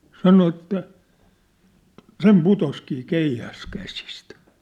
sanoi että sen putosikin keihäs käsistä